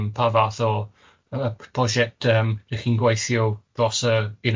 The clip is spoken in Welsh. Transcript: yym pa fath o yy prosiect yym rydych chi'n gweithio dros yy you know